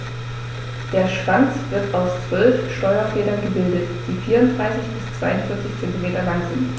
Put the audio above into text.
Der Schwanz wird aus 12 Steuerfedern gebildet, die 34 bis 42 cm lang sind.